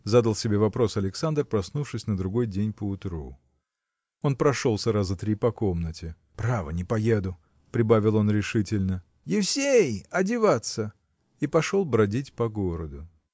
– задал себе вопрос Александр, проснувшись на другой день поутру. Он прошелся раза три по комнате. Право, не поеду! – прибавил он решительно. – Евсей! одеваться. – И пошел бродить по городу.